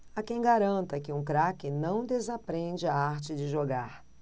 há quem garanta que um craque não desaprende a arte de jogar